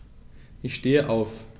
Ich stehe auf.